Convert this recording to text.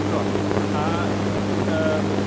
Do, a yym.